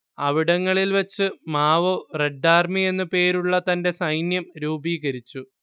അവിടങ്ങളിൽ വെച്ച് Mao red army എന്നു പേരുള്ള തന്റെ സൈന്യം രൂപീകരിച്ചു